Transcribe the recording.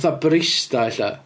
Fatha barista ella?